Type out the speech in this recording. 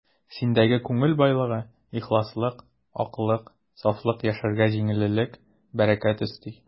Синдәге күңел байлыгы, ихласлык, аклык, сафлык яшәргә җиңеллек, бәрәкәт өсти.